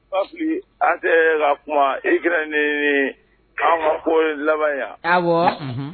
Pa an tɛ kuma iranen ni an ma ko laban a bɔ